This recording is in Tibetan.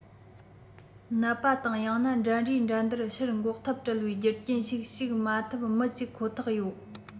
ནད པ དང ཡང ན འགྲན རའི འགྲན བསྡུར ཕྱིར འགོག ཐབས བྲལ བའི རྒྱུ རྐྱེན ཞིག ཞུགས མ ཐུབ མི གཅིག ཁོ ཐག ཡོད